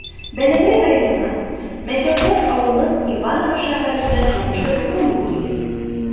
Бәләбәй районының Мәтәүбаш авылын Иваново шәһәре белән чагыштырып булмый, билгеле.